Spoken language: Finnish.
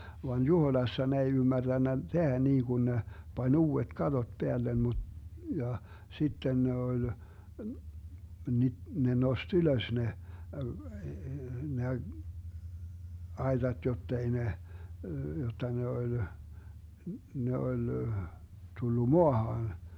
vaan Juhoiassa ne ei ymmärtänyt tehdä niin kuin ne pani uudet katot päälle - ja sitten ne oli - ne nosti ylös ne ne aitat jotta ei ne jotta ne oli ne oli tullut maahan